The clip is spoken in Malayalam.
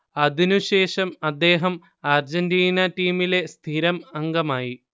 അതിനുശേഷം അദ്ദേഹം അർജന്റീന ടീമിലെ സ്ഥിരം അംഗമായി